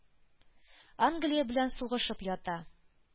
Англия белән сугышып ята.